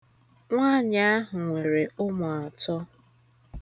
Nwaanyị ahụ nwere ụmụ atọ.